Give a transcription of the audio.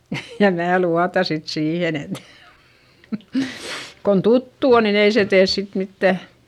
ja minä luotan sitten siihen että kun tuttu on niin ei se tee sitten mitään